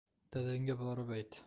dadangga borib ayt